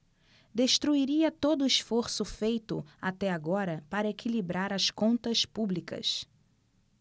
destruiria todo esforço feito até agora para equilibrar as contas públicas